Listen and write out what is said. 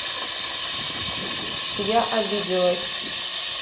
я обиделась